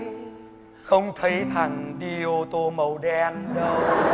không thấy thằng đi ô tô màu đen đâu